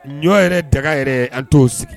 Ɲɔ yɛrɛ daga yɛrɛ an t'o sigi